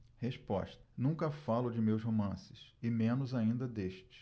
resposta nunca falo de meus romances e menos ainda deste